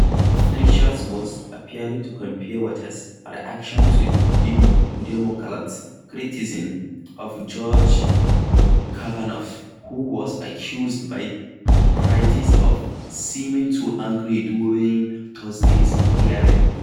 Fleischer was appearing to compare Waters' reaction to the Democrats' criticism of Judge Kavanaugh, who was accused by critics of seeming too angry during Thursday's hearing.